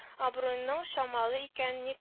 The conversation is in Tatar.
Абруенның чамалы икән, ни